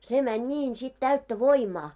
se meni niin sitten täyttä voimaa